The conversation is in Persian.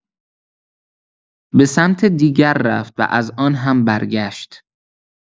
به‌سمت دیگر رفت و از آن هم برگشت.